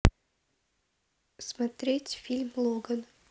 смотреть фильм логан